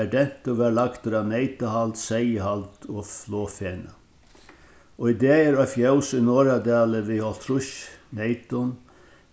har dentur varð lagdur á neytahald seyðahald og flogfenað í dag er eitt fjós í norðradali við hálvtrýss neytum